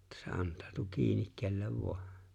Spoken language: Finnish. että se antautuu kiinni kenelle vain